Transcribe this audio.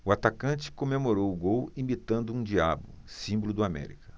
o atacante comemorou o gol imitando um diabo símbolo do américa